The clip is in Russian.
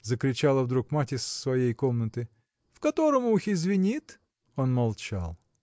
– закричала вдруг мать из своей комнаты, – в котором ухе звенит? Он молчал.